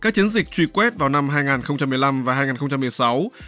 các chiến dịch truy quét vào năm hai ngàn không trăm mười lăm và hai ngàn không trăm mười sáu